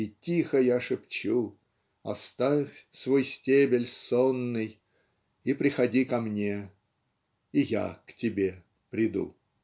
и тихо я шепчу: оставь свой стебель сонный и приходи ко мне и я к тебе приду")